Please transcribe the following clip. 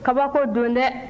kabako don dɛ